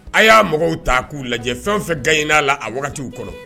A y'a mɔgɔw ta k'u lajɛ fɛn fɛn gaɲ'a la aw kɔnɔ